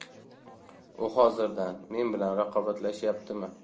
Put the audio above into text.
u hozirdan men bilan raqobatlashyaptimi